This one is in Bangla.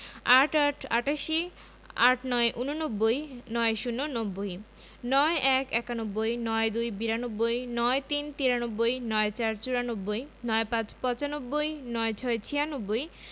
৮৮ – আটাশি ৮৯ – ঊননব্বই ৯০ - নব্বই ৯১ - একানব্বই ৯২ - বিরানব্বই ৯৩ - তিরানব্বই ৯৪ – চুরানব্বই ৯৫ - পচানব্বই ৯৬ - ছিয়ানব্বই